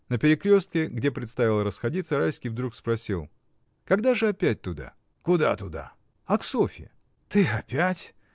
На перекрестке, где предстояло расходиться, Райский вдруг спросил: — Когда же опять туда? — Куда туда? — А к Софье — Ты опять?